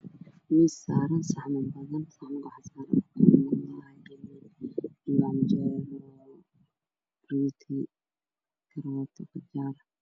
Miis saaran saxan buugga saxanka waxaa ku jira canjeero waxaa yaalo maraq iyo biyo